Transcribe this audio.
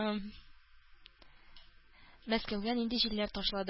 Мәскәүгә нинди җилләр ташлады?